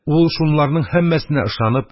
Ул, шунларның һәммәсенә ышанып